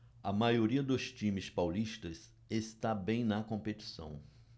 a maioria dos times paulistas está bem na competição